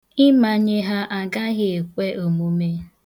Ịmanye ha agaghị ekwe omume.